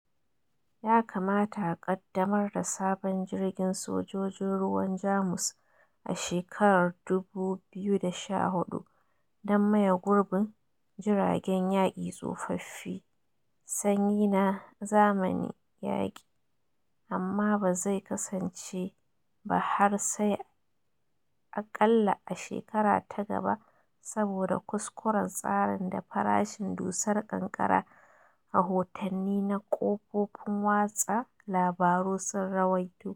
Ya kamata a kaddamar da sabon jirgin Sojin ruwan Jamus a shekarar 2014 don maye gurbin jiragen yaki tsofaffi Sanyi na zamani yaki. amma ba zai kasance ba har sai a kalla a shekara ta gaba saboda kuskuren tsarin da farashin dusar ƙanƙara, rahotanni na kafofin watsa labaru sun ruwaito.